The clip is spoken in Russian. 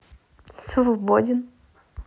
свободен